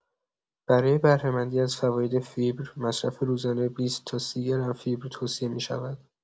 برای بهره‌مندی از فواید فیبر، مصرف روزانه ۲۰ تا ۳۰ گرم فیبر توصیه می‌شود.